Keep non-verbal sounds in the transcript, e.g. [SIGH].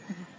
[HESITATION] [HESITATION]